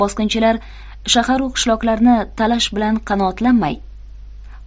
bosqinchilar shaharu qishloqlarni talash bilan qanoatlanmay